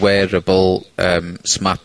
wearable yym smart...